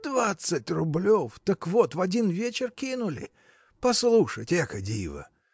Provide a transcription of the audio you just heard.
– Двадцать рублев так вот, в один вечер кинули! Послушать: эко диво!